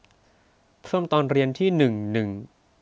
เพิ่มตอนเรียนที่หนึ่งหนึ่ง